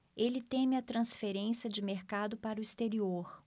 ele teme a transferência de mercado para o exterior